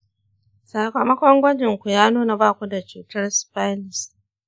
sakamakon gwajinku ya nuna ba ku da cutar syphilis.